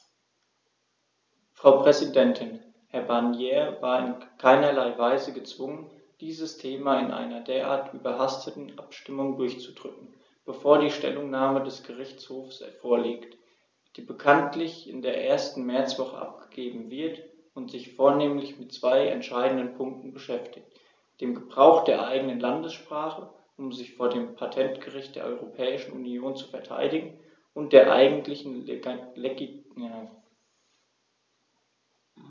Frau Präsidentin, Herr Barnier war in keinerlei Weise gezwungen, dieses Thema in einer derart überhasteten Abstimmung durchzudrücken, bevor die Stellungnahme des Gerichtshofs vorliegt, die bekanntlich in der ersten Märzwoche abgegeben wird und sich vornehmlich mit zwei entscheidenden Punkten beschäftigt: dem Gebrauch der eigenen Landessprache, um sich vor dem Patentgericht der Europäischen Union zu verteidigen, und der eigentlichen Legitimität der Schaffung eines Patentgerichts.